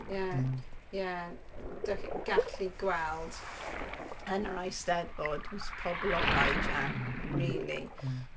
Ie, ie, dach chi'n gallu gweld yn yr Eisteddfod, poblogaidd iawn rili.